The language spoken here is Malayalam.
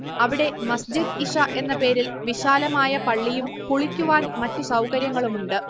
അവിടെ മസ്ജിദ് ഇശ എന്ന പേരിൽ വിശാലമായ പള്ളിയും കുളിക്കുവാൻ മറ്റു സൗകര്യങ്ങളുമുണ്ട്